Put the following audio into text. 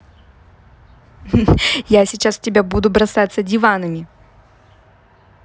я сейчас тебя буду бросаться диванами